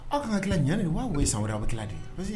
Aw ka tila ɲɛ nin'aw weele san wɛrɛ aw bɛ tila de ye